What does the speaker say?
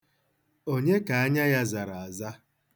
Onye ka anya ya zara aza?